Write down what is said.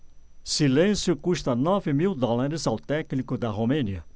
silêncio custa nove mil dólares ao técnico da romênia